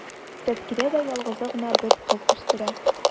Тәзкирә дә ялгызы гына бер кыз үстерә.